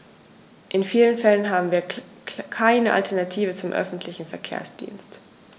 In vielen Fällen haben wir keine Alternative zum öffentlichen Verkehrsdienst.